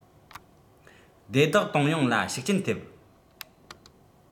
སྡེ བདག གཏོང ཡོང ལ ཤུགས རྐྱེན ཐེབས